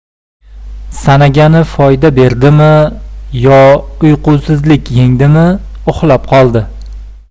sanagani foyda berdimi yo uyqusizlik yengdimi uxlab qoldi